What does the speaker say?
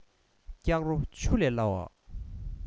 སྐྱག རོ ཆུ ལས སླ བ